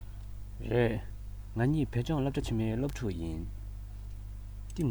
རེད ང གཉིས བོད ལྗོངས སློབ གྲ ཆེན མོའི སློབ ཕྲུག ཡིན